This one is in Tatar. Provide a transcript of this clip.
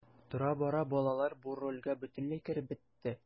Тора-бара балалар бу рольгә бөтенләй кереп бетте.